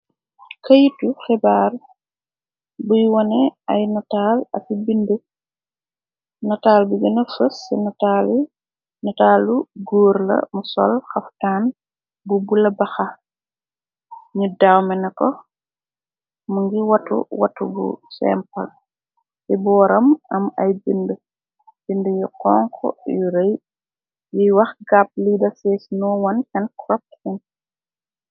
Këyitu xebaar buy wone ay nataal afi bind nataal bi gëna fës ci nataalu góur la mu sol xaftaan bu bula baxa nut dawmena ko mu ngi watu watu bu sempal ci booram am ay bind bind yu xonk yu rëy yiy wax gàpp liide fees nowan kan cropin.